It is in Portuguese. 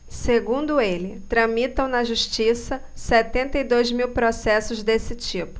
segundo ele tramitam na justiça setenta e dois mil processos desse tipo